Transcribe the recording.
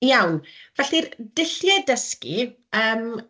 Iawn, felly'r dulliau dysgu, yym...